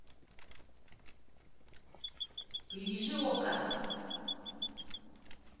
привяжи okko